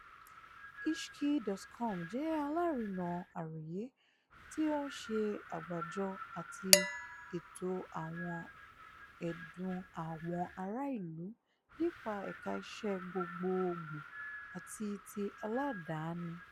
Ishki.com jẹ́ alárinnà àròyé tí ó ń ṣe àgbàjọ àti ètò àwọn ẹ̀dùn àwọn ará ìlú nípa ẹ̀ka iṣẹ́ gbogboogbò àti ti aládàáni.